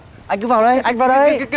anh cứ vào đây anh vào đây